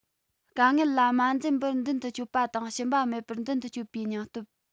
དཀའ ངལ ལ མ འཛེམས པར མདུན དུ སྐྱོད པ དང ཞུམ པ མེད པར མདུན དུ སྐྱོད པའི སྙིང སྟོབས